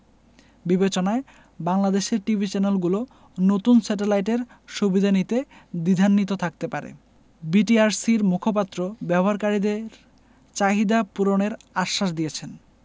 বিবেচনায় বাংলাদেশের টিভি চ্যানেলগুলো নতুন স্যাটেলাইটের সুবিধা নিতে দ্বিধান্বিত থাকতে পারে বিটিআরসির মুখপাত্র ব্যবহারকারীদের চাহিদা পূরণের আশ্বাস দিয়েছেন